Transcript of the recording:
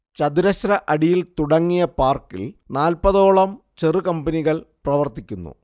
ചതുരശ്ര അടിയിൽ തുടങ്ങിയ പാർക്കിൽ നാല്പതോളം ചെറുകമ്പനികൾ പ്രവർത്തിക്കുന്നു